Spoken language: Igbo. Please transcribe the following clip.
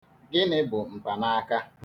Gịnị bụ mpanaaka?